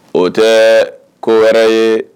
O tɛ ko wɛrɛ ye